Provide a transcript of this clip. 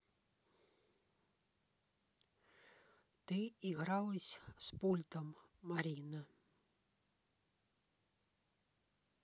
ты игралась с пультом марина